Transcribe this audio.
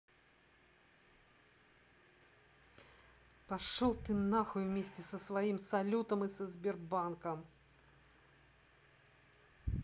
пошел ты нахуй вместе со своим салютом и со сбербанком